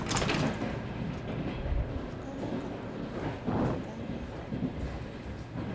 скажи какую нибудь комедию